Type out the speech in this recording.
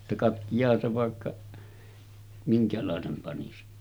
että katkeaahan se vaikka minkälaisen panisi